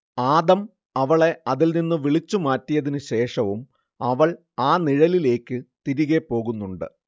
ആദം അവളെ അതിൽ നിന്നു വിളിച്ചു മാറ്റിയതിനു ശേഷവും അവൾ ആ നിഴലിലേയ്ക്ക് തിരികേ പോകുന്നുണ്ട്